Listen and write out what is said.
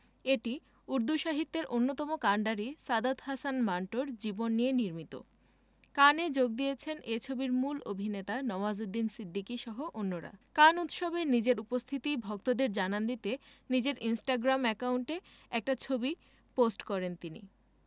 এটি উর্দু সাহিত্যের অন্যতম কান্ডারি সাদাত হাসান মান্টোর জীবন নিয়ে নির্মিত কানে যোগ দিয়েছেন এ ছবির মূল অভিনেতা নওয়াজুদ্দিন সিদ্দিকীসহ অন্যরা কান উৎসবে নিজের উপস্থিতি ভক্তদের জানান দিতে নিজের ইনস্টাগ্রাম অ্যাকাউন্টে একটা ছবি পোস্ট করেন তিনি